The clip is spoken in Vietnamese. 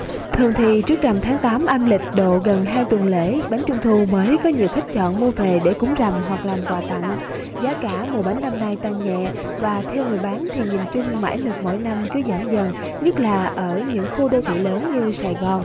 thường thì trước rằm tháng tám âm lịch độ gần hai tuần lễ bánh trung thu mới có nhiều khách chọn mua về để cúng rằm hoặc làm quà tặng giá cả mùa bánh năm nay tăng nhẹ và theo người bán thì nhìn chung mãi lực mỗi năm cứ giảm dần nhất là ở những khu đô thị lớn như sài gòn